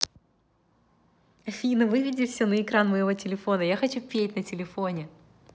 афина выведи все на экран моего телефона я хочу петь на телефоне